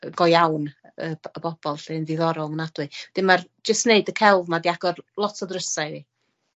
yy go iawn yy y bobol 'lly'n ddiddorol ofnadwy, 'di ma'r jys neud y celf 'ma 'di agor lot o ddrysau i fi.